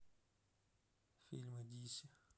фильмы диси